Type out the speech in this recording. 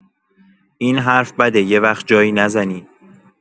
این حرف بده یه وقت جایی نزنی